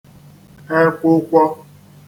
ekwụkwọ